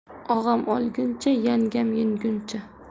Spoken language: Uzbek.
og'am olguncha yangam yeguncha